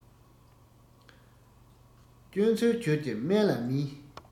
སྐྱོན འཚོལ འགྱུར གྱི དམན ལ མིན